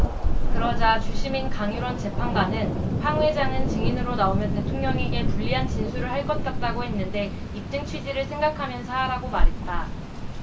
그러자 주심인 강일원 재판관은 황 회장은 증인으로 나오면 대통령에게 불리한 진술을 할 것 같다고 했는데 입증 취지를 생각하면서 하라고 말했다